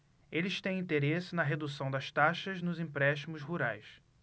eles têm interesse na redução das taxas nos empréstimos rurais